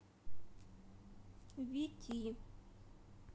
вити